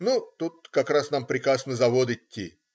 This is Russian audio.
Ну, тут как раз нам приказ на завод идти.